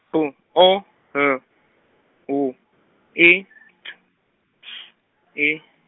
B O L W E T S E.